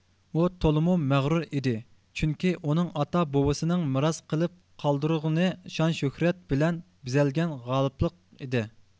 ئۇ تولىمۇ مەغرۇر ئىدى چۈنكى ئۇنىڭ ئاتا بوۋىسىنىڭ مىراس قىلىپ قالدۇرغىنى شان شۆھرەت بىلەن بېزەلگەن غالىپلىق ئىدى